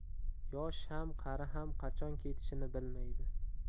yosh ham qari ham qachon ketishini bilmaydi